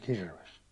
kirves